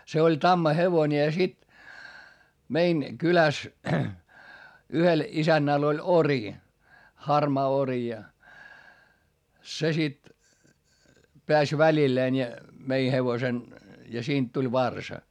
se oli tammahevonen ja sitten meidän kylässä yhdellä isännällä oli ori harmaa ori ja se sitten pääsi välilleen ja myi hevosen ja siitä tuli varsa